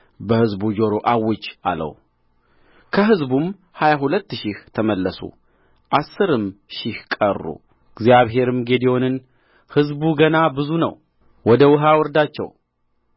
እግዚአብሔርም ጌዴዎንን ሕዝቡ ገና ብዙ ነው ወደ ውኃ አውርዳቸው በዚያም እፈትናቸዋለሁ እኔም ይህ ከአንተ ጋር ይሂድ የምለው እርሱ ከአንተ ጋር ይሄዳል እኔም ይህ ከአንተ ጋር አይሂድ የምለው እርሱ አይሄድም አለው